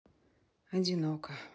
одинока